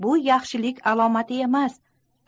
bu yaxshilik alomati emas